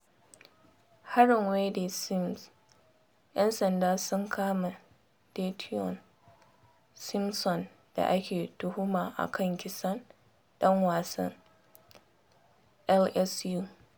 Harbin Wayde Sims ‘Yan sanda sun kama Dyteon Simpson da ake tuhuma a kan kisan ɗan wasan LSU.